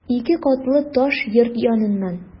Ике катлы таш йорт яныннан...